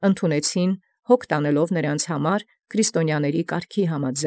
Ընդունէին հոգաբարձութեամբ ըստ Քրիստոսի անուանելոցն կարգի։